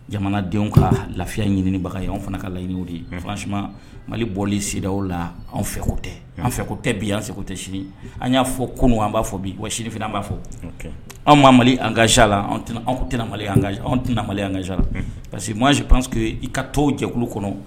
Jamanadenw ka lafiya ɲinibaga anw fana ka laɲiniiniw de fangasi mali bɔlen seraw la anw fɛko tɛ an fɛko tɛ bi an segu tɛ sini an y'a fɔ ko an b'a fɔ bi wa sinifininaan b'a fɔ anw ma mali an ka la anw tɛna mali an anw tɛna mali an kayara parce que makansi pa pansseke i ka tɔw jɛkulu kɔnɔ